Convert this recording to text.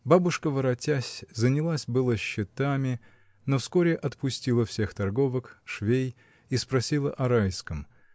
Бабушка, воротясь, занялась было счетами, но вскоре отпустила всех торговок, швей и спросила о Райском.